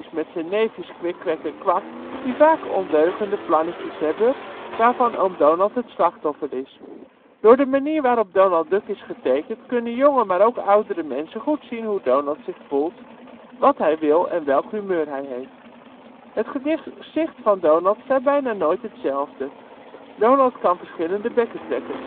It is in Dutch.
met zijn neefjes Kwik, Kwek en Kwak, die vaak ondeugende plannetjes hebben, waarvan Oom Donald het slachtoffer is. Door de manier waarop Donald Duck is getekend kunnen jonge, maar ook oudere mensen goed zien hoe Donald zich voelt, wat hij wil en welk humeur hij heeft. Het gezicht van Donald staat bijna nooit het zelfde. Donald kan verschillende bekken trekken